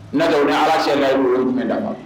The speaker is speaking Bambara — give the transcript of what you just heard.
N na ni ala sela wolo jumɛn da ma